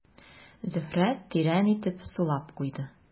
Зөһрә тирән итеп сулап куйды.